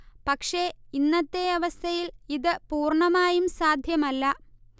പക്ഷെ ഇന്നത്തെ അവസ്ഥയിൽ ഇത് പൂർണമായും സാധ്യമല്ല